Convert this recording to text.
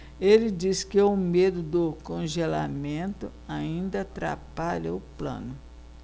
ele disse que o medo do congelamento ainda atrapalha o plano